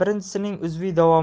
birinchisining uzviy davomidir